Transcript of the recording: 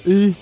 i